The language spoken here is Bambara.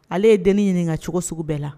Ale ye den ɲininka cogo sugu bɛɛ la